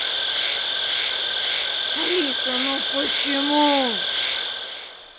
алиса ну почему